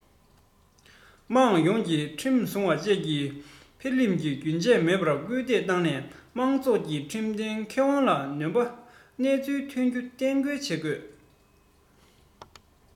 དམངས ཡོངས ཀྱིས ཁྲིམས སྲུང བ བཅས ཀྱི འཕེལ རིམ ལ རྒྱུན ཆད མེད པར སྐུལ འདེད བཏང ནས མང ཚོགས ཀྱི ཁྲིམས མཐུན ཁེ དབང ལ གནོད པའི གནས ཚུལ ཐོན རྒྱུ གཏན འགོག བྱེད དགོས